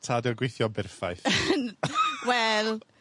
'Ta 'di o'n gweithio'n berffaith? Yym wel,